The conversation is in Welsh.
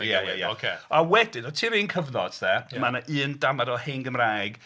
Ie, ie, ie a wedyn o tua'r un cyfnod 'de. Mae 'na un damaid o hen Gymraeg.